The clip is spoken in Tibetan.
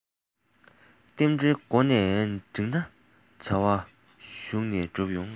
རྟེན འབྲེལ མགོ ནས འགྲིག ན བྱ བ གཞུག ནས འགྲུབ ཡོང